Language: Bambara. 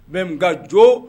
Mɛ n nka jo